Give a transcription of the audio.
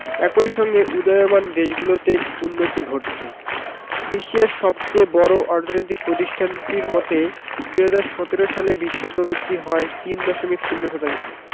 একই সঙ্গে উদীয়মান দেশগুলোতেও উন্নতি ঘটছে বিশ্বের সবচেয়ে বড় আর্থিক প্রতিষ্ঠানটির মতে ২০১৭ সালে বিশ্ব প্রবৃদ্ধি হয় ৩.০ শতাংশ